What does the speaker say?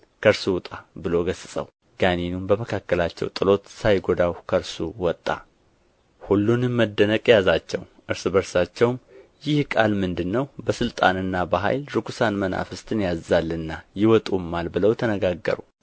ከእርሱም ውጣ ብሎ ገሠጸው ጋኔኑም በመካከላቸው ጥሎት ሳይጐዳው ከእርሱ ወጣ ሁሉንም መደነቅ ያዛቸው እርስ በርሳቸውም ይህ ቃል ምንድር ነው በሥልጣንና በኃይል ርኵሳን መናፍስትን ያዝዛልና ይወጡማል ብለው ተነጋገሩ